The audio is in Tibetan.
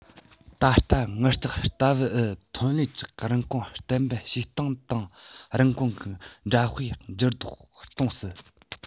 ད ལྟ ངར ལྕགས ལྟ བུའི ཐོན ལས ཀྱི རིན གོང གཏན འབེབས བྱེད སྟངས དང རིན གོང གི འདྲ དཔེ འགྱུར ལྡོག གཏོང སྲིད